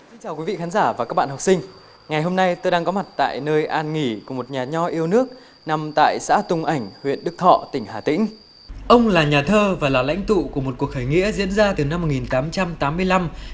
xin chào quý vị khán giả và các bạn học sinh ngày hôm nay tôi đang có mặt tại nơi an nghỉ của một nhà nho yêu nước nằm tại xã tùng ảnh huyện đức thọ tỉnh hà tĩnh ông là nhà thơ và là lãnh tụ của một cuộc khởi nghĩa diễn ra từ năm một nghìn tám trăm tám mươi lăm